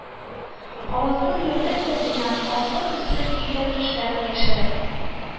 Авызын ерды фердинанд, аслы-өсле килгән тешләрен яшереп